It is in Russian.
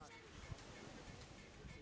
обнимает тебя